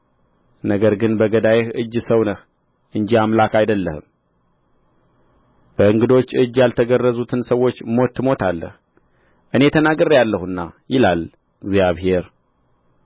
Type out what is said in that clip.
ነገር ግን በገዳይህ እጅ ሰው ነህ እንጂ አምላክ አይደለህም በእንግዶች እጅ ያልተገረዙትን ሰዎች ሞት ትሞታለህ እኔ ተናግሬአለሁና ይላል እግዚአብሔር